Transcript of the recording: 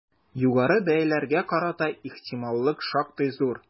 Югары бәяләргә карата ихтималлык шактый зур.